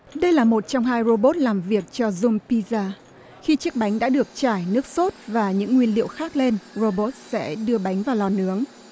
đây là một trong hai rô bốt làm việc cho dung pi da khi chiếc bánh đã được trải nước sốt và những nguyên liệu khác lên rô bốt sẽ đưa bánh vào lò nướng